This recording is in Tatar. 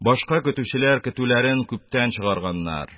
Башка көтүчеләр көтүләрен күптән чыгарганнар.